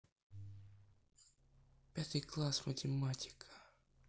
пятый класс математика